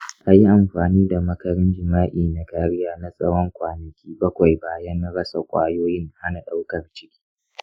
a yi amfani da makarin jima’i na kariya na tsawon kwanaki bakwai bayan rasa ƙwayoyin hana ɗaukar ciki.